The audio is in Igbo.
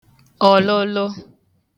ọ̀lụlụ